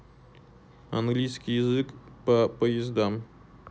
английский язык по поездам